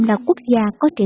nam